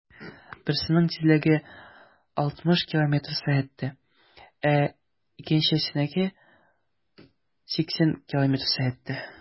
Берсенең тизлеге 60 км/сәг, ә икенчесенеке - 80 км/сәг.